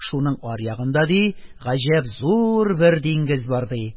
Шуның аръягында, ди, гаҗәп зур бер диңгез бар, ди.